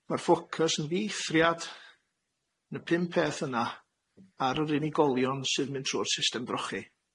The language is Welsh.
Ma'r ffocys yn ddieithriad yn y pum peth yna ar yr unigolion sydd yn mynd trw'r system drochi.